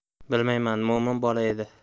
bilmayman mo'min bola edi